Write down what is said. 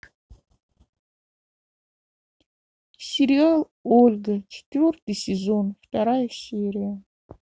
сериал ольга четвертый сезон вторая серия